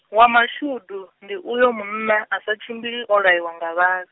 wa mashudu, ndi uyo munna, asa tshimbili o laiwa nga vha-.